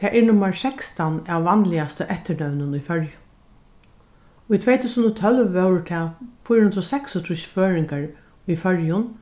tað er nummar sekstan av vanligastu eftirnøvnum í føroyum í tvey túsund og tólv vóru tað fýra hundrað og seksogtrýss føroyingar í føroyum